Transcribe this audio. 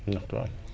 ñax du am